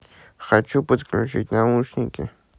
хочу подключить наушники